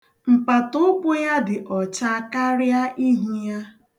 Mpataụkwụ ya dị ọcha karịa ihu ya.